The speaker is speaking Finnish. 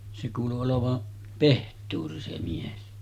se kuului olevan pehtori se mies